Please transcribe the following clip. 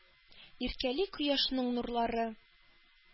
Иркәли кояшның нурлары.